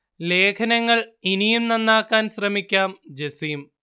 ലേഖനങ്ങൾ ഇനിയും നന്നാക്കാൻ ശ്രമിക്കാം ജസീം